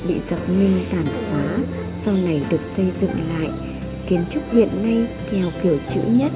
bị giặc nguyên tàn phá sau này được xây dựng lại kiến trúc hiện nay theo kiểu chữ nhất